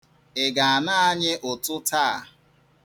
Ị ga-ana anyị ụtụ taa?